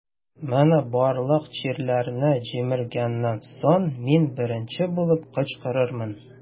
Менә барлык чикләрне җимергәннән соң, мин беренче булып кычкырырмын.